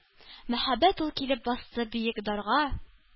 Мәһабәт ул килеп басты биек «дар»га.